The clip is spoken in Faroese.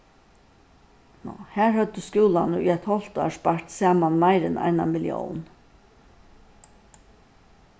ná har høvdu skúlarnir í eitt hálvt ár spart saman meir enn eina millión